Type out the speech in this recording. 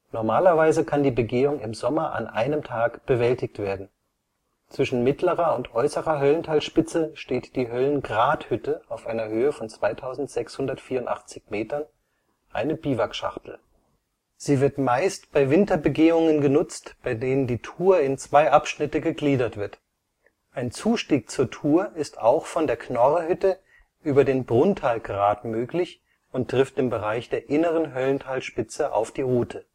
Normalerweise kann die Begehung im Sommer an einem Tag bewältigt werden. Zwischen Mittlerer und Äußerer Höllentalspitze steht die Höllengrathütte (2684 m), eine Biwakschachtel. Sie wird meist bei Winterbegehungen genutzt, bei denen die Tour in zwei Abschnitte gegliedert wird. Ein Zustieg zur Tour ist auch von der Knorrhütte über den Brunntalgrat möglich und trifft im Bereich der Inneren Höllentalspitze auf die Route